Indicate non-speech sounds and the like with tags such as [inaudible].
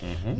[hesitation] [hesitation]